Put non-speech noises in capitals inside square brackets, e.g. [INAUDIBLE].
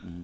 [HESITATION] [HESITATION]